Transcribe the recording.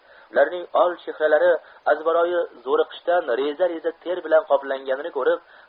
ularning ol chehralari azbaroyi zo'riqishdan reza reza ter bilan koplanganini 'rib